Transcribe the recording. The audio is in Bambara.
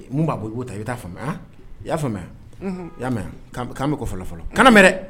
N b'a bɔ i ta i bɛ taa faamuya i y'a faamuya i y'a mɛn k'an bɛ kɔ fɔlɔ fɔlɔ ka mɛn